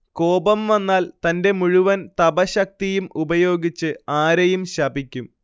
കോപം വന്നാൽ തന്റെ മുഴുവൻ തപഃശക്തിയും ഉപയോഗിച്ച് ആരെയും ശപിക്കും